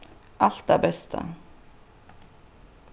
alt tað besta